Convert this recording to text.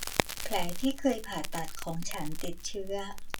แผลที่เคยผ่าตัดของฉันติดเชื้อ